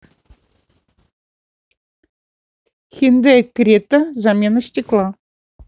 хендай крета замена стекла